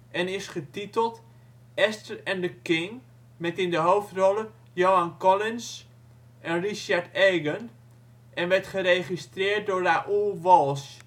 en is getiteld Esther and the King met in de hoofdrollen Joan Collins en Richard Egan, en werd geregisseerd door Raoul Walsh